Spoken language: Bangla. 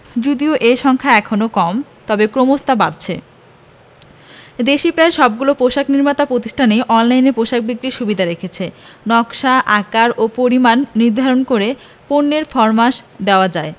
যদিও এ সংখ্যা এখনো কম তবে ক্রমশ তা বাড়ছে দেশি প্রায় সবগুলো পোশাক নির্মাতা প্রতিষ্ঠানই অনলাইনে পোশাক বিক্রির সুবিধা রেখেছে নকশা আকার ও পরিমাণ নির্ধারণ করে পণ্যের ফরমাশ দেওয়া যায়